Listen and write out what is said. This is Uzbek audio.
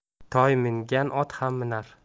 toy mingan ot ham minar